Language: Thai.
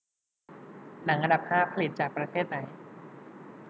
หนังอันดับห้าผลิตจากประเทศไหน